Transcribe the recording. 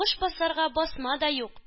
Кош басарга басма да юк...